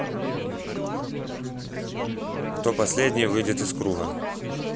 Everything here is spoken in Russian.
кто последний выйдет из круга